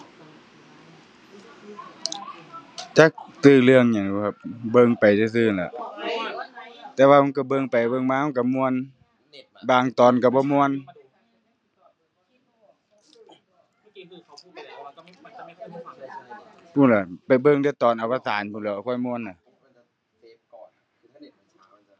จักชื่อเรื่องหยังดอกครับ เบิ่งไปซื่อซื่อนั่นล่ะ แต่ว่ามันชื่อเบิ่งไปเบิ่งมามันชื่อม่วน บางตอนชื่อบ่ม่วน พู้นล่ะ ไปเบิ่งแต่ตอนอวสานพู้นแหล้วค่อยม่วนน่ะ